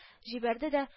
Җибәрде дә